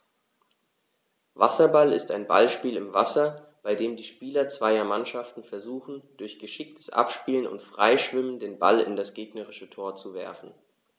Wasserball ist ein Ballspiel im Wasser, bei dem die Spieler zweier Mannschaften versuchen, durch geschicktes Abspielen und Freischwimmen den Ball in das gegnerische Tor zu werfen.